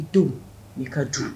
.